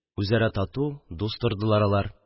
Үзара тату, дус тордылар алар.